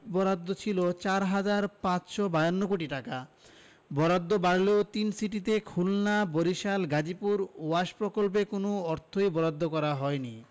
বরাদ্দ ছিল ৪ হাজার ৪৫২ কোটি টাকা বরাদ্দ বাড়লেও তিন সিটিতে খুলনা বরিশাল গাজীপুর ওয়াশ প্রকল্পে কোনো অর্থই বরাদ্দ করা হয়নি